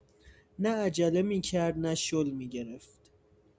نه عجله می‌کرد، نه شل می‌گرفت.